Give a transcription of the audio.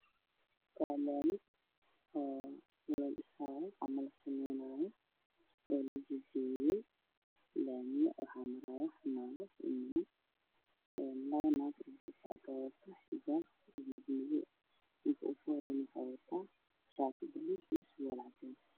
Waa laami la dhisaayo waxaa ku agyaalo masaajid midabkiisa yahay caddays haddaan waxaa cag maraayo naagaheen